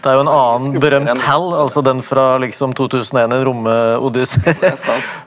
det er jo en annen berømt Hal, altså den fra liksom 2001 En romodyssé .